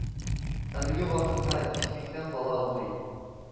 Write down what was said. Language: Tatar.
Әлеге вакытта йөз сиксән бала укый